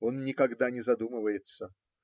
- он никогда не задумывается.